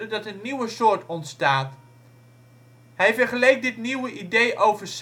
dat een nieuwe soort ontstaat. Hij vergeleek dit nieuwe idee over